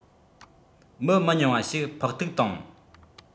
མི མི ཉུང བ ཞིག ཕོག ཐུག བཏང